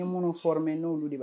Minnu fɔra n'olu de